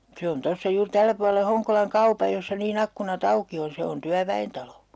se on tuossa juuri tällä puolen Honkolan kaupan jossa niin ikkunat auki on se on työväentalo